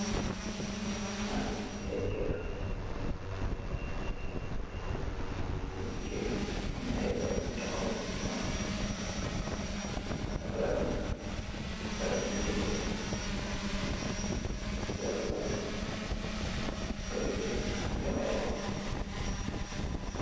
Maangy gis aiiy kerr, bunti kerr yii amna aiiy garab yu takhaw ci kanam, aiiy garab yii garab yii tontorr la, garab yu rafet, garab yii dengh amm aiiy hohbb.